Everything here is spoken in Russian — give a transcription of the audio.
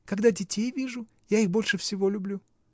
— Когда детей вижу: я их больше всего люблю.